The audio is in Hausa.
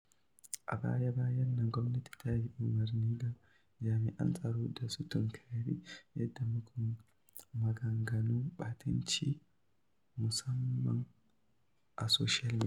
A baya-bayan nan, gwamnati ta yi umarni ga jami'an tsaro da su "tunkari yaɗa maganganun ɓatanci, musamman a soshiyal midiya".